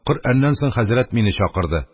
Коръәннән соң хәзрәт мине чакырды,